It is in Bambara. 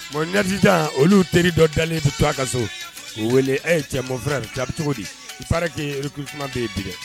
Bon olu teri dɔ dalen bɛ to, a ka so, k'u wele, ee cɛ mon frère a bɛ cogo di? il paraît que recrutement bɛ yen bi dɛ.